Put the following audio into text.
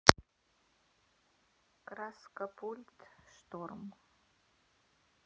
краскопульт шторм